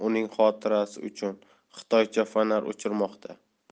uning xotirasi uchun xitoycha fonar uchirmoqda